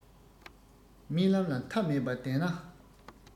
རྨི ལམ ལ མཐའ མེད པ བདེན ན